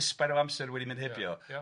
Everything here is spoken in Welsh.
Ysbain o amser wedi mynd hebio. Ia ia.